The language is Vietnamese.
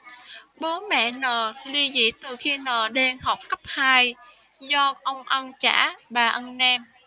bố mẹ n li dị từ khi n đang học cấp hai do ông ăn chả bà ăn nem